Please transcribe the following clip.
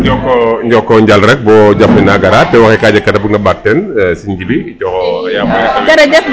Njooko njooko njal rek bo jaf le na gara tew oxe ka jeg ka ta bugna lay ɓaat teen serigne Djiby i coox a Ya Fatou.